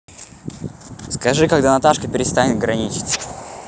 скажи когда наташка перестанет граничить